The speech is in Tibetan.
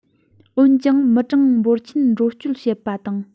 འོན ཀྱང མི གྲངས འབོར ཆེན འགྲོ སྐྱོད བྱེད པ དང